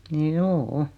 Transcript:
juu